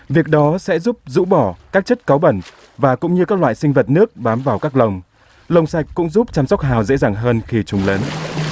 việc đó sẽ giúp rũ bỏ các chất cáu bẩn và cũng như các loài sinh vật nước bám vào các lồng lồng sạch cũng giúp chăm sóc hào dễ dàng hơn khi chúng lớn